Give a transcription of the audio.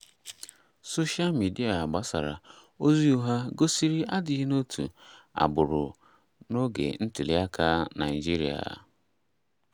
Soshal midịa gbasara ozi ụgha gosiri adịghị n'otu agbụrụ n'oge ntuliaka Naịjirịa.